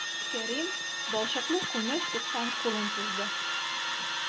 Кәрим балчыклы күмәч тоткан кулын сузды.